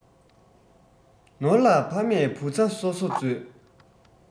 ནོར ལ ཕ མས བུ ཚ གསོ གསོ མཛོད